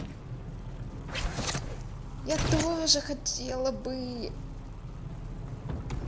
я тоже хотела бы